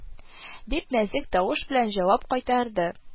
Дип, нәзек тавыш белән җавап кайтарды